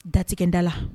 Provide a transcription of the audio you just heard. Datigɛda la